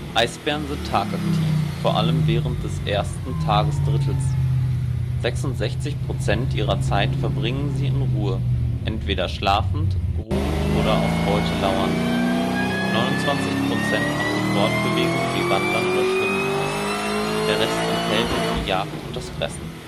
Eisbären sind tagaktiv, vor allem während des ersten Tagesdrittels. 66% ihrer Zeit verbringen sie in Ruhe, entweder schlafend, ruhend oder auf Beute lauernd. 29% macht die Fortbewegung wie Wandern oder Schwimmen aus, der Rest entfällt auf die Jagd und das Fressen